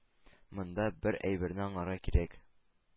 Монда бер әйберне аңларга кирәк: